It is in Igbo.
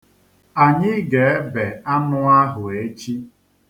Anyị ga-ebe anụ ahụ echi.